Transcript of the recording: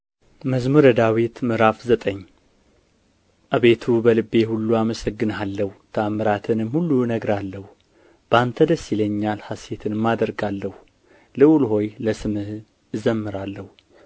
መዝሙር ምዕራፍ ዘጠኝ አቤቱ በልቤ ሁሉ አመሰግንሃለሁ ተአምራትህንም ሁሉ እነግራለሁ በአንተ ደስ ይለኛል ሐሤትንም አደርጋለሁ ልዑል ሆይ ለስምህ እዘምራለሁ